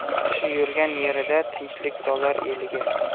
yaxshi yurgan yerida tinchlik solar eliga